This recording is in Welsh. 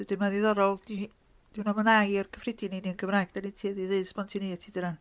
Wedyn mae'n ddiddorol, 'dy 'dy hwnna'm yn air cyffredin i ni yn Gymraeg, dan ni'n tueddu i ddeud spontaneity dydan.